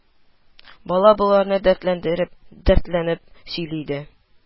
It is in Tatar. Бала боларны дәртләнеп-дәртләнеп сөйли дә: